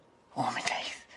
O mi neith.